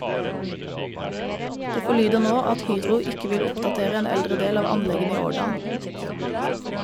Det forlyder nå at Hydro ikke vil oppdatere en eldre del av anleggene i Årdal.